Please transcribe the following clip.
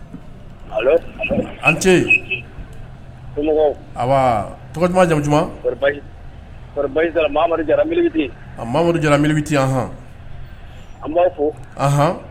Allo a ni ce ,sɔmɔgɔw, am bana tɔgɔ duman, jamu duman, kɔni baasi t'a la ,Mamadu Jara ka bɔ 1008 .Ahan, Mamadu Jara 1008,Ahan, an b'aw fo. anhan